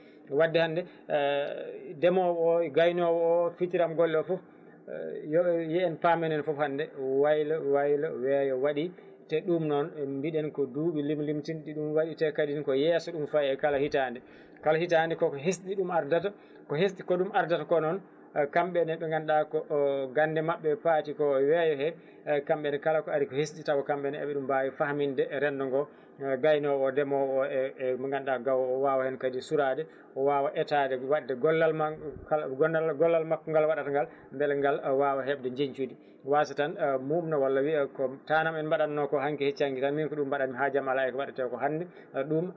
wadde hande ndemowo o gaynowo o fitiram golle o foof yen paam enen foof hande waylo waylo weeyo waaɗi te ɗum noon mbiɗen ko duuɓi limlimtinɗi ɗum waɗi te kadi ne ko yeeso ɗum faayi kala hitande kala hitande koko hseɗi ɗum ardata ko hesɗi ko ɗum ardata ko noon kamɓene ɓe ganduɗa ko gande mabɓe faati ko e weeyo he e kamɓene kala ko ari ko hesɗi taw kamɓene eɓe ɗum mbawi faminde rendo ngo gaynowo o ndemowo o e e mo ganduɗa gawowo o wawa hen kadi suurade o wawa etade wadde gollal gollal makko ngal o waɗata ngal beele ngal wawa hebde jenccudi wasata tan mbaumna walla wiiya ko tanam en mbaɗanno ko hankki e hecci hankki min ko ɗum mbaɗanmi haajam ala eko waɗete ko hande ɗum